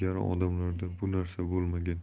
ilgari odamlarda bu narsa bo'lmagan